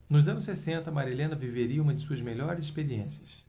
nos anos sessenta marilena viveria uma de suas melhores experiências